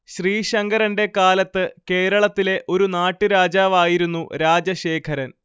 ശ്രീശങ്കരന്റെ കാലത്ത് കേരളത്തിലെ ഒരു നാട്ട് രാജാവായിരുന്നു രാജശേഖരൻ